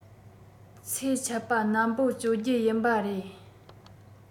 ཚེ ཆད པ ནན པོ གཅོད རྒྱུ ཡིན པ རེད